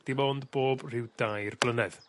dim ond bob rhyw dair blynedd.